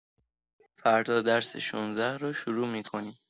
فردا درس ۱۶ رو شروع می‌کنیم.